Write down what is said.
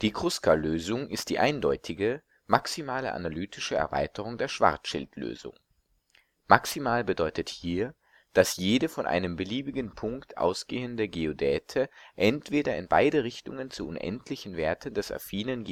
Kruskal-Lösung ist die eindeutige, maximale analytische Erweiterung der Schwarzschild-Lösung. Maximal bedeutet hier, dass jede von einem (beliebigen) Punkt ausgehende Geodäte entweder in beide Richtungen zu unendlichen Werten des affinen